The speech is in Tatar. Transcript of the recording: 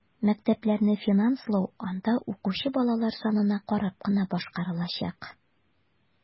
Мәктәпләрне финанслау анда укучы балалар санына карап кына башкарылачак.